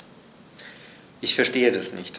Ich verstehe das nicht.